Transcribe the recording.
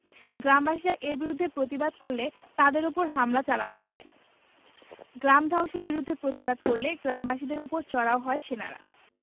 গ্রামবাসীরা এর বিরুদ্ধে প্রতিবাদ করলে তাদের ওপর হামলা চালানো হয় গ্রাম ধ্বংসের বিরুদ্ধে প্রতিবাদ করলে গ্রামবাসীদের ওপর চড়াও হয় সেনারা